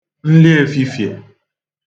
nli efifiè